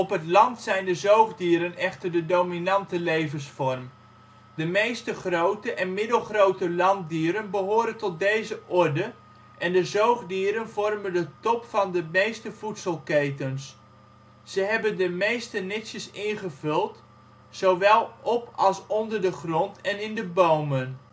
het land zijn de zoogdieren echter de dominante levensvorm. De meeste grote en middelgrote landdieren behoren tot deze orde, en de zoogdieren vormen de top van de meeste voedselketens. Ze hebben de meeste niches ingevuld, zowel op als onder de grond en in de bomen